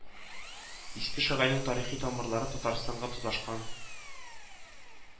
Иске Шыгайның тарихи тамырлары Татарстанга тоташкан